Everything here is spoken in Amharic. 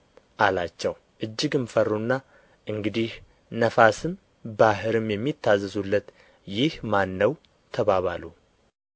አላቸው እጅግም ፈሩና እንግዲህ ነፋስም ባሕርም የሚታዘዙለት ይህ ማን ነው ተባባሉ